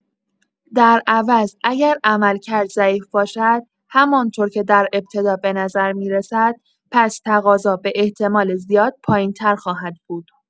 در عوض اگر عملکرد ضعیف باشد، همان‌طور که در ابتدا به‌نظر می‌رسد، پس تقاضا به‌احتمال‌زیاد پایین‌تر خواهد بود.